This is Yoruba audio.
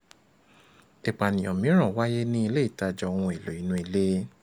Ìpànìyàn mìíràn wáyé ní ilé ìtaja-ohun-èlò-inú-ilé.